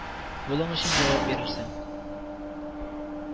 Улың өчен җавап бирерсең